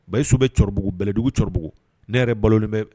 Ba yesobɛ cɛkɔrɔbabugu bɛlɛdugu cɛkɔrɔbabuguugu ne yɛrɛ balo in bɛ